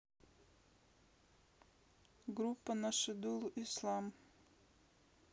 группа nashidul islam